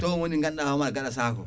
toon woni ganduɗa hoorema gaɗa sac o